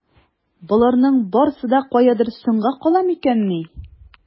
Боларның барсы да каядыр соңга кала микәнни?